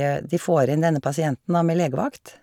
De får inn denne pasienten, da, med legevakt.